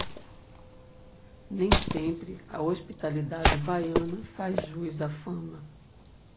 nem sempre a hospitalidade baiana faz jus à fama